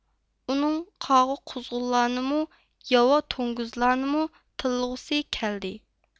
ئۇنىڭ قاغا قۇزغۇنلارنىمۇ ياۋا توڭگۇزلارنىمۇ تىللىغۇسى كەلدى